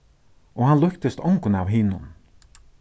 og hann líktist ongum av hinum